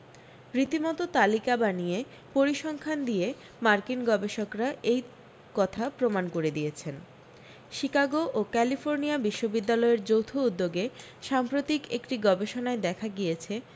রীতিমতো তালিকা বানিয়ে পরিসংখ্যান দিয়ে মার্কিন গবেষকরা এ কথা প্রমাণ করে দিয়েছেন শিকাগো ও ক্যালিফোর্ণিয়া বিশ্ববিদ্যালয়ের যৌথ উদ্যোগে সাম্প্রতিক একটি গবেষণায় দেখা গিয়েছে